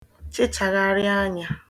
chịchàgharị anyā